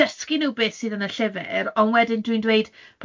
dysgu nhw beth sydd yn y llyfr, ond wedyn dwi'n dweud,